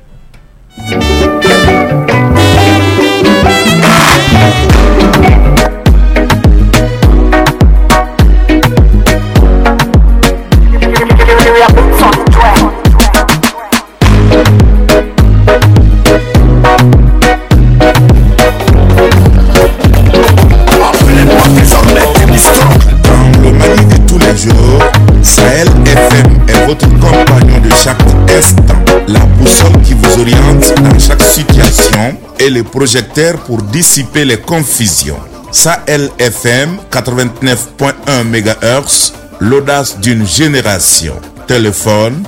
Tun satu ka sa saba la san sagasisin e pozsɛte purdisipele kɔn2si safɛ kato tɛp bɛ da jsen de ka si tfa